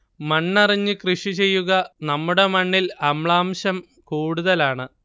'മണ്ണ് അറിഞ്ഞു കൃഷി ചെയ്യുക', 'നമ്മുടെ മണ്ണിൽ അമ്ലാംശം കൂടുതലാണ്'